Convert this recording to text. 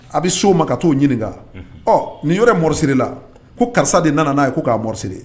A bɛ so o ma ka'o ɲini ɔ nin yɛrɛ mori siri la ko karisa de nana n'a ye ko k'a mori siri